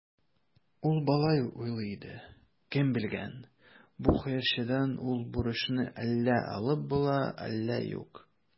Ул болай уйлый иде: «Кем белгән, бу хәерчедән ул бурычны әллә алып була, әллә юк".